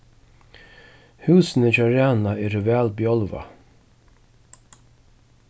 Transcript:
húsini hjá rana eru væl bjálvað